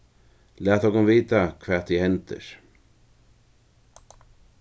lat okkum vita hvat ið hendir